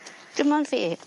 dim ond fi.